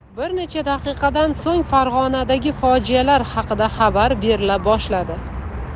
bir necha daqiqadan so'ng farg'onadagi fojialar haqida xabar berila boshladi